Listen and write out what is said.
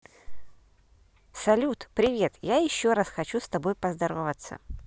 салют привет я еще раз хочу с тобой поздороваться